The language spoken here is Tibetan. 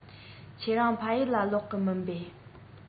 ཁྱེད རང ཕ ཡུལ ལ ལོག གི མིན པས